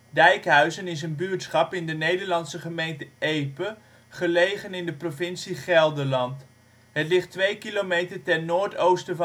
Dijkhuizen is een buurtschap in de Nederlandse gemeente Epe, gelegen in de provincie Gelderland. Het ligt 2 kilometer ten noordoosten